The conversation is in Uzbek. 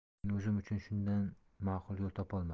men o'zim uchun shundan maqul yo'l topolmadim